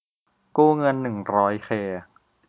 กู้เงินหนึ่งร้อยเค